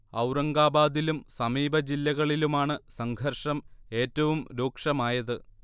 ഔറംഗാബാദിലും സമീപ ജില്ലകളിലുമാണ് സംഘർഷം ഏറ്റവും രൂക്ഷമായത്